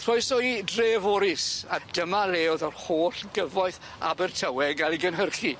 ...croeso i Dreforis a dyma le o'dd yr holl gyfoeth Abertawe y' ga'l ei gynhyrchu.